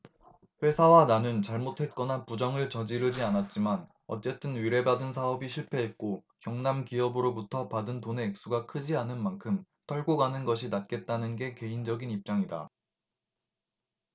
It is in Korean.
회사와 나는 잘못했거나 부정을 저지르지 않았지만 어쨌든 의뢰받은 사업이 실패했고 경남기업으로부터 받은 돈의 액수가 크지 않은 만큼 털고 가는 것이 낫다는 게 개인적인 입장이다